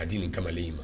A di nin kamalen ma